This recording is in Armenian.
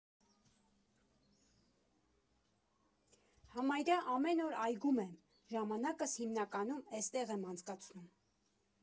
Համարյա ամեն օր այգում եմ, ժամանակս հիմնականում էստեղ եմ անցկացնում։